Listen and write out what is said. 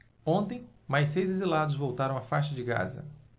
ontem mais seis exilados voltaram à faixa de gaza